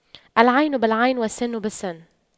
العين بالعين والسن بالسن